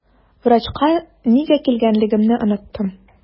Врачка нигә килгәнлегемне оныттым.